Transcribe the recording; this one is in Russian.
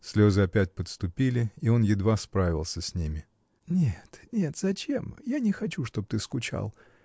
Слезы опять подступили, и он едва справился с ними. — Нет, нет, зачем? Я не хочу, чтоб ты скучал.